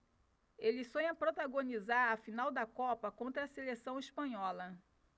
ele sonha protagonizar a final da copa contra a seleção espanhola